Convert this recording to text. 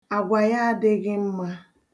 Agwa ya adịghị mma.